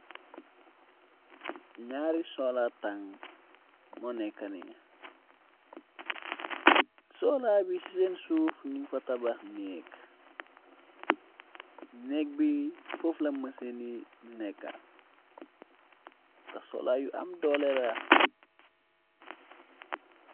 Ñaari sola tang moo nekkani sola bi ci seen suuf ñuñ fa tabax nek, nek bi fofla masin yi nekka ndax sola yu am doole la.